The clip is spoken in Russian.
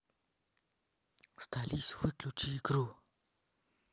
сдались выключи игру